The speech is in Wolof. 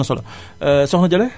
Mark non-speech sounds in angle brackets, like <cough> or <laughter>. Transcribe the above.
am na solo <inhales> soxna Jalle